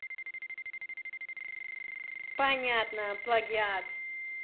понятно плагиат